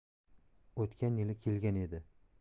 o'tgan yili kelgan edi